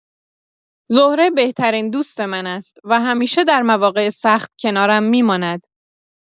زهره بهترین دوست من است و همیشه در مواقع سخت کنارم می‌ماند.